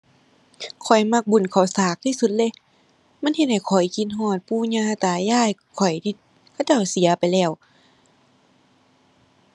ข้อยมักบุญข้าวสากที่สุดเลย มันเฮ็ดให้ข้อยคิดฮอดปู่ย่าตายายข้อยที่เขาเจ้าเสียไปแล้ว